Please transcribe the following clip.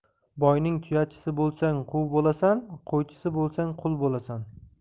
boyning tuyachisi bo'lsang quv bo'lasan qo'ychisi bo'lsang qui bo'lasan